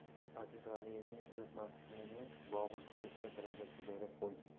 aziz g'aniyevning uzatmasini bobur koreyslar darvozasiga joylab qo'ydi